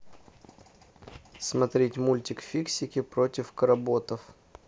смотреть мультик фиксики против кработов